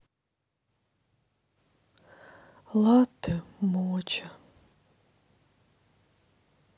латте моча